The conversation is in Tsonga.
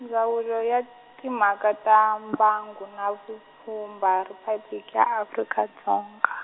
Ndzawulo ya Timhaka ta Mbango na Vupfhumba Riphabliki ya Afrika Dzonga.